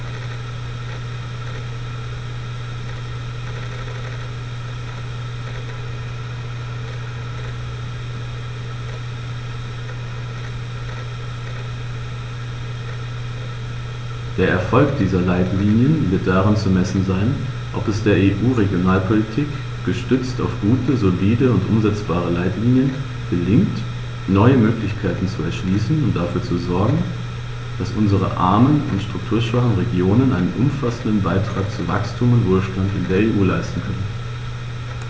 Der Erfolg dieser Leitlinien wird daran zu messen sein, ob es der EU-Regionalpolitik, gestützt auf gute, solide und umsetzbare Leitlinien, gelingt, neue Möglichkeiten zu erschließen und dafür zu sogen, dass unsere armen und strukturschwachen Regionen einen umfassenden Beitrag zu Wachstum und Wohlstand in der EU leisten können.